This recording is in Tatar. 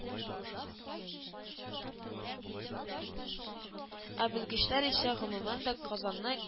Ә белгечләр исә гомумән дә Казанны